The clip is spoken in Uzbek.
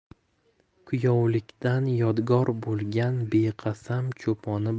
kuyovlikdan yodgor bo'lgan beqasam choponi